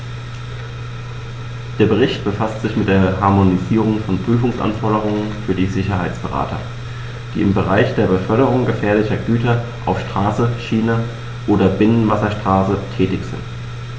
Der Bericht befasst sich mit der Harmonisierung von Prüfungsanforderungen für Sicherheitsberater, die im Bereich der Beförderung gefährlicher Güter auf Straße, Schiene oder Binnenwasserstraße tätig sind.